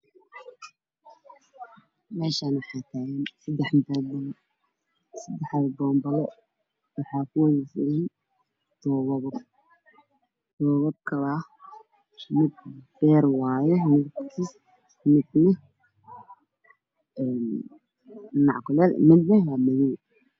Meeshaan waa carwo waxa yaalo boombalo ku jiraan dardarkoodu waa cagaar madow caddaan darbiga waa cadaan